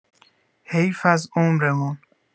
حیف از عمرمون